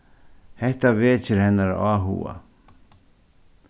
hetta vekir hennara áhuga